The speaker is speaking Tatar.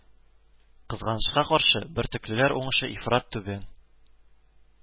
Кызганычка каршы, бөртеклеләр уңышы ифрат түбән